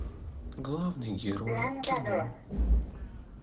главный герой кино